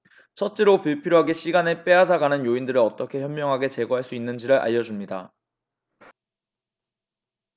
첫째로 불필요하게 시간을 빼앗아 가는 요인들을 어떻게 현명하게 제거할 수 있는지를 알려 줍니다